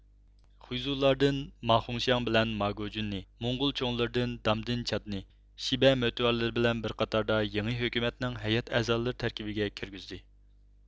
خۇيزۇلاردىن ماخۇڭشياڭ بىلەن ماگوجۈننى موڭغۇل چوڭلىرىدىن دامدىن چادنى شىبە مۆتىۋەرلىرى بىلەن بىر قاتاردا يېڭى ھۆكۈمەتنىڭ ھەيئەت ئەزالىرى تەركىبىگە كىرگۈزدى